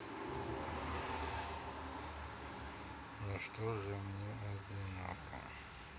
ну что же мне одиноко